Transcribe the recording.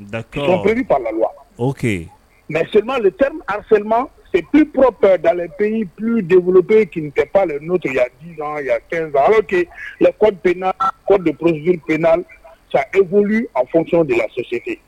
D'accord sont prévus par la loi, ok, mais seulement les termes harcèlement c'est plus propre dans les pays développés qui n'étaient pas les nôtres il y a 10 ans 15 ans alors que les code pénals les codes de procedure pénale est en fonction de la société